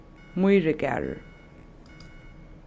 mýrigarður